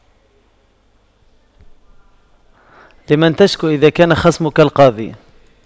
لمن تشكو إذا كان خصمك القاضي